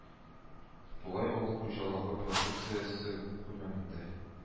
Тулай авыл хуҗалыгы продукциясе күләмендә